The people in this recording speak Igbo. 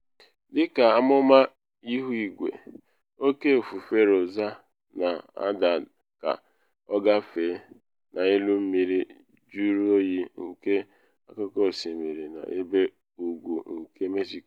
Dị ka amụma ihuigwe, Oke Ifufe Rosa na ada ka ọ agafe n’elu mmiri juru oyi nke akụkụ osimiri n’ebe ugwu nke Mexico.